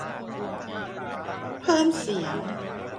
เพิ่มเสียง